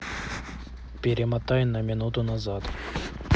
перемотай на минуту назад